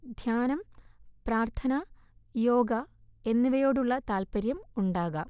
ധ്യാനം, പ്രാര്ത്ഥ്ന, യോഗ എന്നിവയോടുള്ള താല്പര്യം ഉണ്ടാകാം